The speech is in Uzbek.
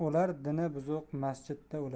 o'lar dini buzuq masjidda